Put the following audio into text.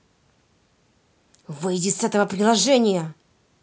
выйди с этого приложения